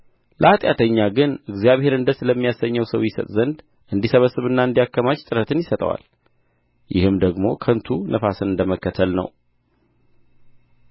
ለኃጢአተኛ ግን እግዚአብሔርን ደስ ለሚያሰኘው ሰው ይሰጥ ዘንድ እንዲሰበስብና እንዲያከማች ጥረትን ይሰጠዋል ይህም ደግሞ ከንቱ ነፋስንም እንደ መከተል ነው